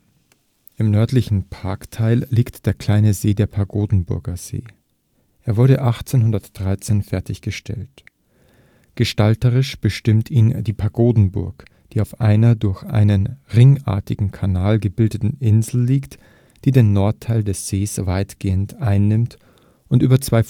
Im nördlichen Parkteil liegt der kleinere See, der Pagodenburger See. Er wurde 1813 fertiggestellt. Gestalterisch bestimmt ihn die Pagodenburg, die auf einer durch einen ringartigen Kanal gebildeten Insel liegt, die den Nordteil des Sees weitgehend einnimmt und über zwei